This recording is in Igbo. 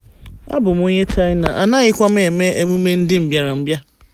2. Abụ m onye China, anaghịkwa m eme emume ndị mbịarambịa.